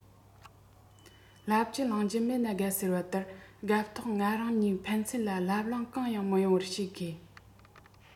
ལབ རྒྱུ གླེང རྒྱུ མེད ན དགའ ཟེར བ ལྟར སྒབས ཐོག ང རང གཉིས ཕན ཚུན ལབ གླེང གང ཡང མི ཡོང བར བྱེད དགོས